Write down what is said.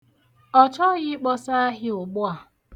Ọchọghị ịkpọsa ahịa ugbua.